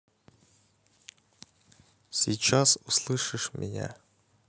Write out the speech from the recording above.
сейчас услышишь меня